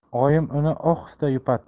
oyim uni ohista yupatdi